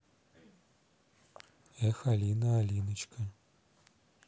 эх алина алиночка